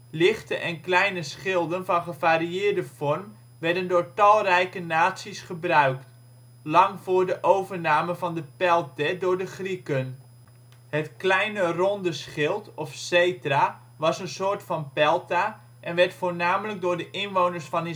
Lichte en kleine schilden van gevarieerde vorm werden door talrijke naties gebruikt, lang voor de overnamen van de peltê door de Grieken. Het kleine ronde schild of cetra was een soort van pelta en werd voornamelijk door de inwoners van